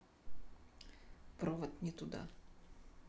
провод не туда